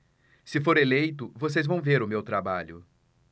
se for eleito vocês vão ver o meu trabalho